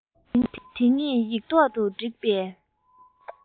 དེ ཉིད ཡིག ཐོག ཏུ བསྒྲིགས པའི